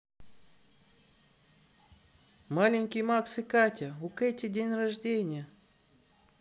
маленький макс и катя у katy день рождения